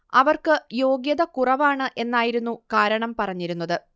അവർക്ക് യോഗ്യത കുറവാണ് എന്നായിരുന്നു കാരണം പറഞ്ഞിരുന്നത്